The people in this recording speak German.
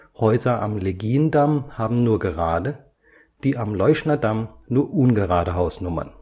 Häuser am Legiendamm haben nur gerade, die am Leuschnerdamm nur ungerade Hausnummern